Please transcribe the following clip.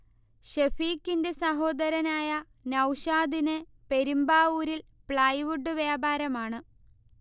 ഷെഫീഖിന്റെ സഹോദരനായ നൗഷാദിന് പെരുമ്ബാവൂരിൽ പ്ലൈവുഡ് വ്യാപാരമാണ്